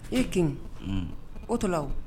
I kin o tɔlaw